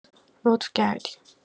لطف کردی